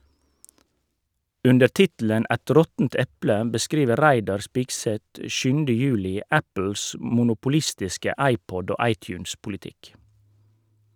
Under tittelen "Et råttent eple" beskriver Reidar Spigseth 7. juli Apples monopolistiske iPod- og iTunes-politikk.